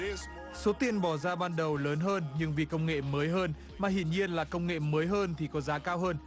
số tiền bỏ ra ban đầu lớn hơn nhưng vì công nghệ mới hơn mà hiển nhiên là công nghệ mới hơn thì có giá cao hơn